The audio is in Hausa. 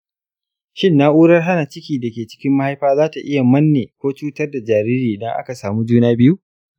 shin na’urar hana ciki da ke cikin mahaifa za ta iya manne ko cutar da jariri idan aka samu juna biyu?